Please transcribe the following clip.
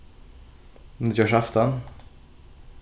nýggjársaftan